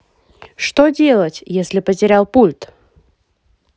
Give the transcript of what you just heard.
что делать если потерял пульт